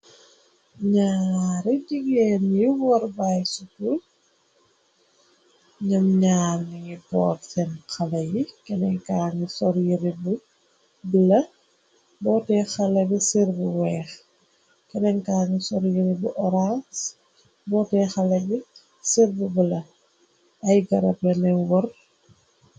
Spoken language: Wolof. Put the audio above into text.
Naaaari jigeen yi worbaay sutu ñam ñaal ningi boog seen xale yi kenenkar ni soryiri bu bla boote xale bi sirbu weex kenenkar ni soryiri bu orang boote xala bi sërbu bëla ay garabyenay wor.